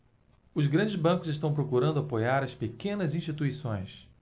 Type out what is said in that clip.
os grandes bancos estão procurando apoiar as pequenas instituições